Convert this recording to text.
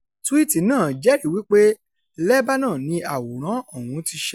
Túwíìtì náà jẹ́rìí wípé Lebanon ni àwòrán ọ̀hún ti ṣẹ̀ wá.